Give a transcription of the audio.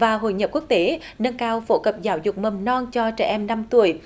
và hội nhập quốc tế nâng cao phổ cập giáo dục mầm non cho trẻ em năm tuổi